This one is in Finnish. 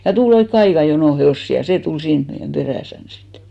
ja tuli oikein aika jono hevosia ja se tuli siinä meidän perässämme sitten